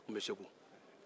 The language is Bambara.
a tun bɛ segu